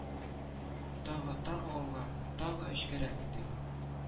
Тагы, тагы алга, тагы эчкәрәк, дим